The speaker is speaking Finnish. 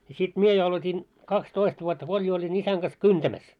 ja sitten minä jo aloitin kaksitoista vuotta kun oli jo olin isäni kanssa kyntämässä